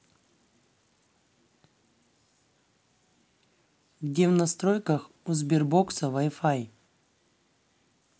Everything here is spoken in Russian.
где в настройках у сбербокса вай фай